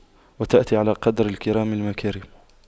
وتأتي على قدر الكرام المكارم